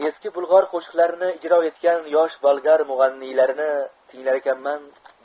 eski bulg'or qo'shiqlarini ijro etgan yosh bolgar mug'anniylarini tinglarkanman